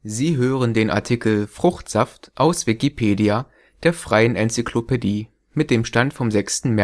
Sie hören den Artikel Fruchtsaft, aus Wikipedia, der freien Enzyklopädie. Mit dem Stand vom Der